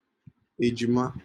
bụ ejima